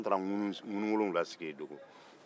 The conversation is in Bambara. anw taara ŋunun wolonfila sigi yen dongo